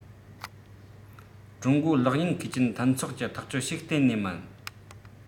ཀྲུང གོ གློག བརྙན མཁས ཅན མཐུན ཚོགས གྱི ཐག གཅོད ཞིག གཏན ནས མིན